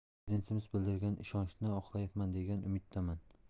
prezidentimiz bildirgan ishonchni oqlayman degan umiddaman